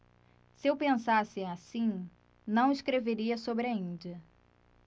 se eu pensasse assim não escreveria sobre a índia